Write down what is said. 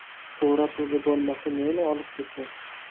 surat o'zi bo'lmasa neni olib ketsin